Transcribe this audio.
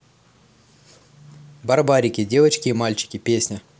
барбарики девочки и мальчики песня